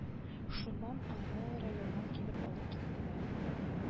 Шуннан аны районнан килеп алып киттеләр